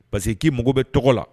Basi k'i mago bɛ tɔgɔ la